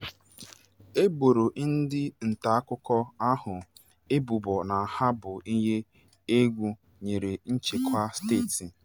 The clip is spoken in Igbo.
E boro ndị nta akụkọ ahụ ebubo na ha bụ ihe égwu nyere nchekwa steeti